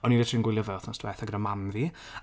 O'n i'n literally yn gwylio fe wythnos diwetha gyda mam fi.